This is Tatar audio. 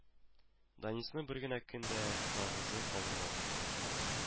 Данисны бер генә көн дә ялгызын калдырмадык